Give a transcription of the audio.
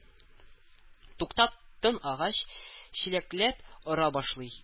Туктап тын алгач, чиләкләп ора башлый